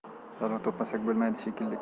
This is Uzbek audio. dallol topmasak bo'lmaydi shekilli